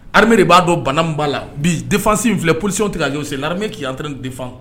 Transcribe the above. Ha de b'a dɔn banaba la bi defasi filɛ polisi tɛ tigɛ kajsen laremɛ k' antɛ defan